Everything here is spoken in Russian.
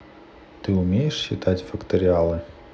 ты умеешь считать факториалы